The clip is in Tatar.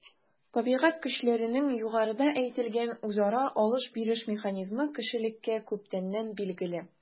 Табигать көчләренең югарыда әйтелгән үзара “алыш-биреш” механизмы кешелеккә күптәннән билгеле.